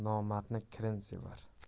nomardni kirn sevar